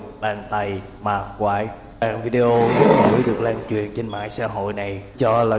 video bàn tay ma quái video ngắn ngủi được lan truyền trên mạng xã hội này cho là ghi hình